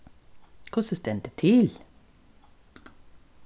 hvussu stendur til